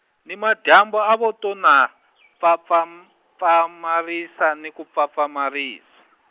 nimadyambu a va to na , pfhapfham- -pfhamerisa ni ku pfhapfhamerisa.